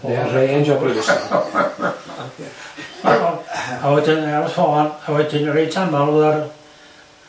Ia range o bris a wedyn oni ar y ffôn a wedyn reit amal odda n'w